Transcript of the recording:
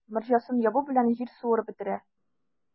Морҗасын ябу белән, җил суырып бетерә.